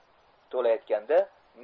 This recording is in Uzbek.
to'la aytganda